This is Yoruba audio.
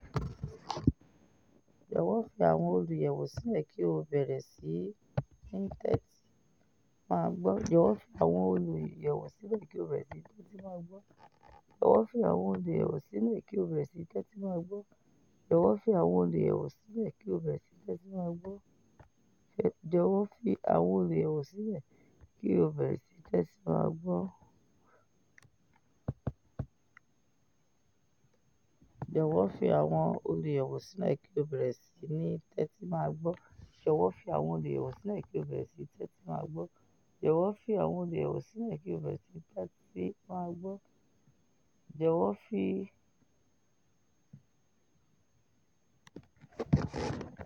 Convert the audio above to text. Jọ̀wọ́ fi àwọn olùyẹ̀wò sílẹ̀ kí o bẹ̀rẹ̀ sí ní tẹ́tí máa gbọ.'